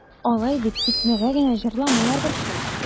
Алай дип тикмәгә генә җырламыйлардыр шул.